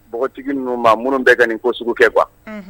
Npogotigi ninnu maa minnu bɛ ka nin ko sugu kɛ wa